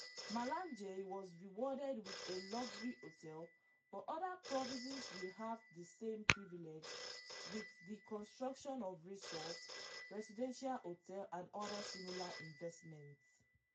Malanje was “rewarded” with a luxury hotel, but other provinces will have the same privilege, with the construction of resorts, residential hotels and other similar investments.